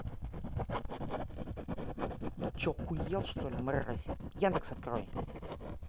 ты че охуел что ли мразь яндекс открой